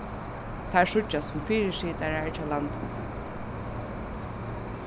teir síggjast sum fyrisitarar hjá landinum